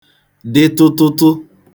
dị tụtụtụ